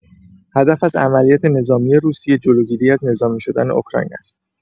هدف از عملیات نظامی روسیه جلوگیری از نظامی شدن اوکراین است.